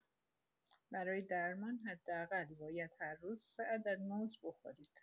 برای درمان حداقل باید هر روز سه عدد موز بخورید.